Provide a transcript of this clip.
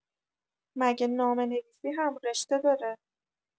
مگه نامه‌نویسی هم‌رشته داره؟